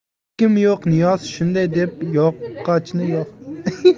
chekkim yo'q niyoz shunday deb yoqqichni yoqdi